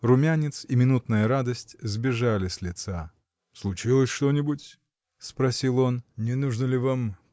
Румянец и минутная радость сбежали с лица. — Случилось что-нибудь? — спросил он. — Не нужно ли вам.